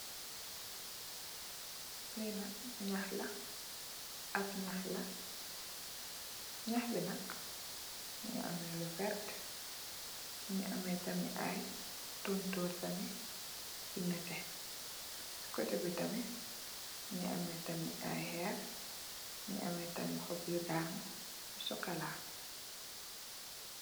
Li nak ñaxla, ab ñaxla, ñax bi nak mingi ame lu verta, mungi ame tamit ay tontor tamit yu nette. Si cotebi tamit mingi ame tamit xob yu danu socola.